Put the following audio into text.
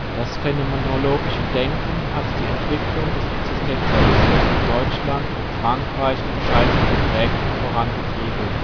Das phänomenologische Denken hat die Entwicklung des Existenzialismus in Deutschland und Frankreich entscheidend geprägt und voran getrieben